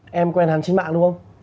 em quen hắn trên mạng đúng không